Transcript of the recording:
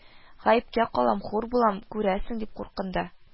– гаепкә калам, хур булам, күрәсең, – дип куркынды